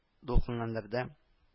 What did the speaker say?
Дулкынландырды